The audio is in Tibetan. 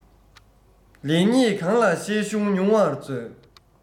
ལེགས ཉེས གང ལ བཤད གཞུང ཉུང བར མཛོད